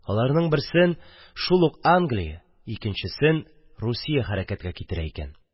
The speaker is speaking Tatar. Аларның берсен шул ук Англия, икенчесен Русия хәрәкәткә китерә икән